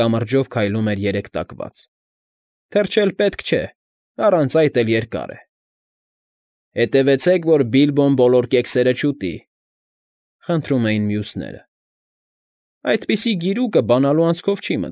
Կամրջոց քայլում էր երեքտակված։֊ Թրջել պետք չէ, առանց այդ էլ երկար է։ ֊ Հետևեցեք, որ Բիլբոն բոլոր կեքսերը չուտի,֊ խնդրում էին մյուսները։ ֊ Այդպիսի գիրուկը բանալու անցքով չի։